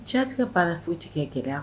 foyi ti kɛ gɛlɛ